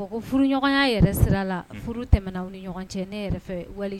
Tɛm ni cɛ